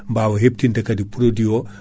mbawa hebtinde kaadi produit o